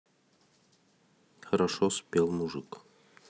хорошо спел мужик